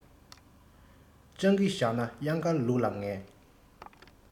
སྤྱང ཀི བཞག ན གཡང དཀར ལུག ལ ངན